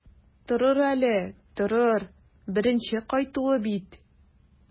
Торыр әле, торыр, беренче кайтуы бит.